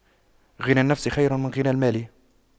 غنى النفس خير من غنى المال